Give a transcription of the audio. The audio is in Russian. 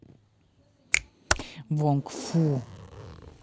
вонг фу